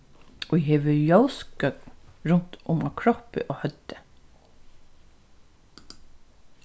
ið hevur ljósgøgn runt um á kroppi og høvdi